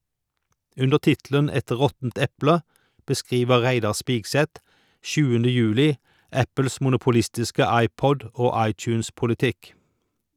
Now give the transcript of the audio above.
Under tittelen "Et råttent eple" beskriver Reidar Spigseth 7. juli Apples monopolistiske iPod- og iTunes-politikk.